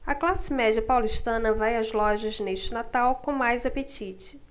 a classe média paulistana vai às lojas neste natal com mais apetite